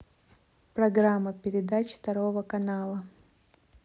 программа передач второго канала